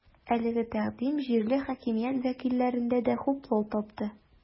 Әлеге тәкъдим җирле хакимият вәкилләрендә дә хуплау тапты.